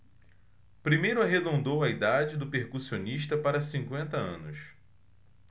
primeiro arredondou a idade do percussionista para cinquenta anos